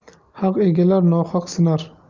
haq egilar nohaq sinar